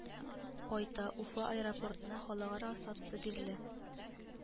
Кайта, уфа аэропортына халыкара статусы бирелә